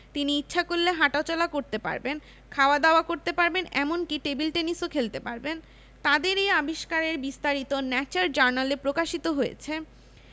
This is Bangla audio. তিনি ইচ্ছা করলে হাটাচলা করতে পারবেন খাওয়া দাওয়া করতে পারবেন এমনকি টেবিল টেনিসও খেলতে পারবেন তাদের এই আবিষ্কারের বিস্তারিত ন্যাচার জার্নালে প্রকাশিত হয়েছে